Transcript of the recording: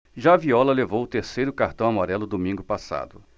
já viola levou o terceiro cartão amarelo domingo passado